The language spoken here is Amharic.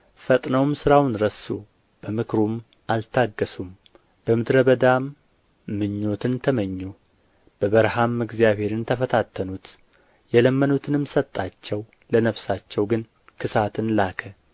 ፈጥነውም ሥራውን ረሱ በምክሩም አልታገሡም በምድረ በዳም ምኞትን ተመኙ በበረሃም እግዚአብሔርን ተፈታተኑት የለመኑትንም ሰጣቸው ለነፍሳቸው ግን ክሳትን ላከ